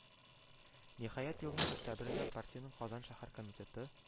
Ниһаять, елның октябрендә партиянең Казан шәһәр комитеты